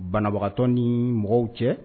Banabagatɔ nii mɔgɔw cɛ